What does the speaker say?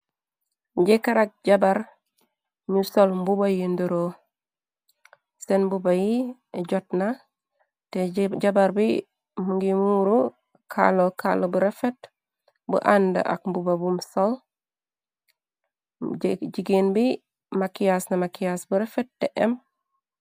Jekarak ak jabar ñu sol mbuba yi niro seen mbuba yi jot na te jabar bi ngi muuru kàllu kàla bu refet bu ànda ak mbuba bum sol. Jigéen bi makiyas na makiyas bu refet te em.